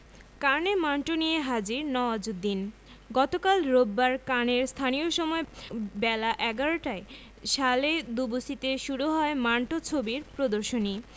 কানে মান্টো নিয়ে হাজির নওয়াজুদ্দিন গতকাল রোববার কানের স্থানীয় সময় বেলা ১১টায় সালে দুবুসিতে শুরু হয় মান্টো ছবির প্রদর্শনী